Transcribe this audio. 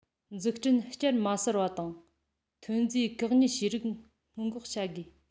འཛུགས སྐྲུན བསྐྱར མ གསར པ དང ཐོན རྫས བཀག ཉར བྱེད རིགས སྔོན འགོག བྱ དགོས